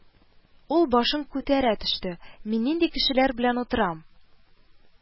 Ул башын күтәрә төште: «Мин нинди кешеләр белән утырам